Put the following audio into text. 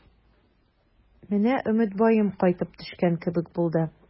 Менә Өметбаем кайтып төшкән кебек булды.